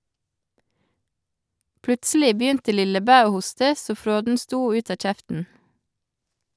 Plutselig begynte Lillebæ å hoste så fråden stod ut av kjeften.